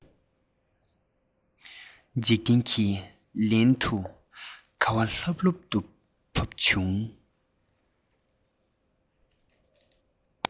འཇིག རྟེན གྱིས ལན དུ ཁ བ ལྷབ ལྷུབ ཏུ ཕབ བྱུང